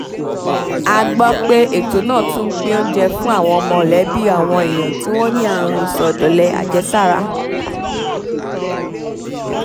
A gbọ́ pé ètò náà tún ń pín oúnjẹ fún àwọn mọ̀lẹ́bí àwọn èèyàn tí wọ́n ní Ààrùn Ìsọdọ̀lẹ Àjẹsára.